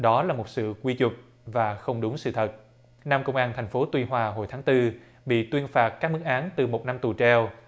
đó là một sự quy chụp và không đúng sự thật năm công an thành phố tuy hòa hồi tháng tư bị tuyên phạt các mức án từ một năm tù treo